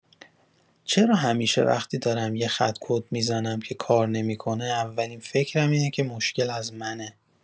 چرا همیشه وقتی دارم یه خط کد می‌زنم که کار نمی‌کنه، اولین فکرم اینه که مشکل از منه؟